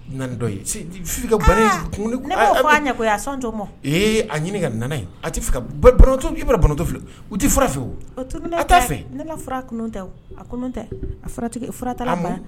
Na ni dɔ ye bana in ne k'oo fɔ a ɲɛ koyi a sɔn tɔɔ mɔ ee a ɲini kana nana ye a te fɛ ka ba banabagatɔ i b'a dɔn banabagatɔ filɛ u tI fura fɛ o o tununen tɛɛ a taa fɛ ne la fura tununen tɛɛ o a tunun tɛɛ furatigi furatala a mun